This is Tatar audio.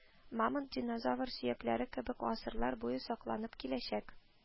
Мамонт, динозавр сөякләре кебек гасырлар буе сакланып, киләчәк